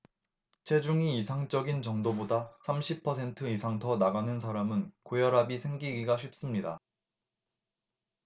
체중이 이상적인 정도보다 삼십 퍼센트 이상 더 나가는 사람은 고혈압이 생기기가 쉽습니다